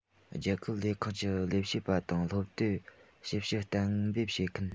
རྒྱལ ཁབ ལས ཁུངས ཀྱི ལས བྱེད པ དང སློབ དེབ ཞིབ བཤེར གཏན འབེབས བྱེད མཁན